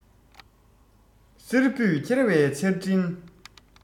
བསེར བུས འཁྱེར བའི ཆར སྤྲིན